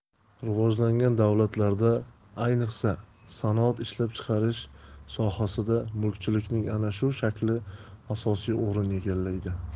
rivojlangan davlatlarda ayniqsa sanoat ishlab chiqarish sohasida mulkchilikning ana shu shakli asosiy o'rin egallaydi